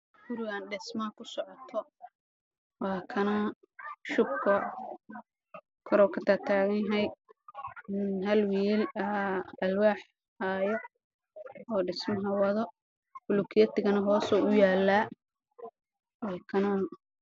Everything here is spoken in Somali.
Waa guri dhismo kusocdo shub kor ayuu ka taaganyahay